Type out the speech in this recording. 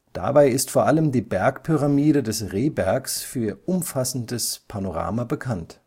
Dabei ist vor allem die Bergpyramide des Rehbergs für ihr umfassendes Panorama bekannt